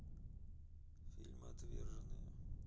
фильм отверженные